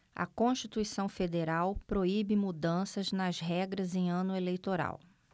a constituição federal proíbe mudanças nas regras em ano eleitoral